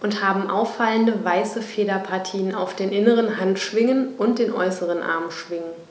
und haben auffallende, weiße Federpartien auf den inneren Handschwingen und den äußeren Armschwingen.